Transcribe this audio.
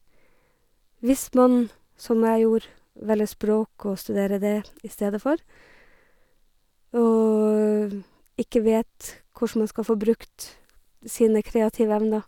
Hvis man, som jeg gjorde, velger språk og studerer dét i stedet for, og ikke vet kossen man skal få brukt sine kreative evner.